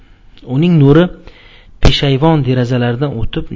uning nuri peshayvon derazalaridan o'tib